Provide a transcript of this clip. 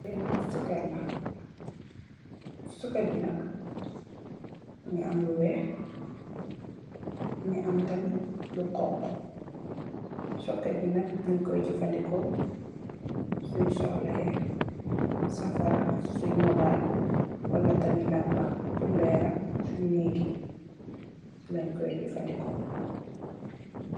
Lee nak suket la suket be nak muge am lu weex muge am tamin lu xonxo suket be nak nukoye jefaneku sun suhla ye safara se sun moubale be wala tamin lampa purr leral sun neek ye se lenkoye jafaneku.